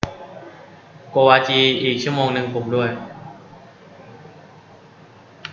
โกวาจีอีกชั่วโมงนึงปลุกด้วย